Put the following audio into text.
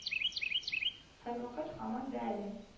Һәрвакыт һаман да әле